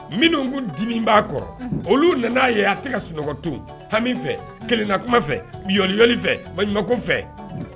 Minnu kun diminen ba kɔrɔ, olu nana ye a tɛ ka sunɔgɔ hami fɛ kelenna kuma fɛ yɔliyɔli fɛ maɲuman ko fɛ